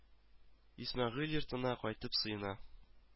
Исмәгыйль йортына кайтып сыена